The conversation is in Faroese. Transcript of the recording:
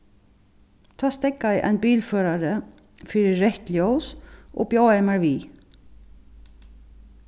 tá steðgaði ein bilførari fyri reytt ljós og bjóðaði mær við